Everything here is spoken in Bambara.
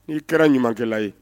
I'i kɛra ɲumankɛla ye